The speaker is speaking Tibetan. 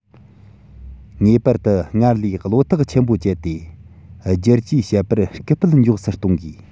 ངེས པར དུ སྔར ལས བློ ཐག ཆེན པོ བཅད དེ བསྒྱུར བཅོས བྱེད པར སྐུལ སྤེལ མགྱོགས སུ གཏོང དགོས